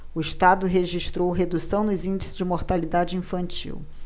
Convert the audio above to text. o estado registrou redução nos índices de mortalidade infantil